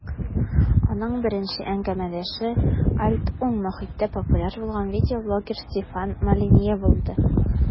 Аның беренче әңгәмәдәше "альт-уң" мохиттә популяр булган видеоблогер Стефан Молинье булды.